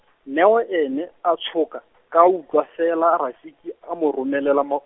Neo ene a tshoka , ka a utlwa fela Rafiki a mo romelela mo.